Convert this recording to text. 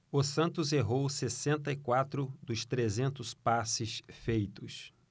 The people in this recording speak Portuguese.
o santos errou sessenta e quatro dos trezentos passes feitos